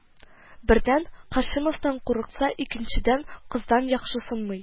Бердән, Һаши-мовтан курыкса, икенчедән, кыздан яхшысынмый